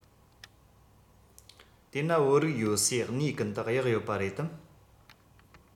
དེ ན བོད རིགས ཡོད སའི གནས ཀུན ཏུ གཡག ཡོད པ རེད དམ